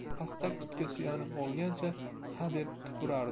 pastak tutga suyanib olgancha hadeb tupurardi